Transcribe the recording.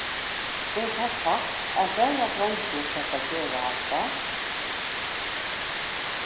er tað satt at bara dreingir sleppa at gera hatta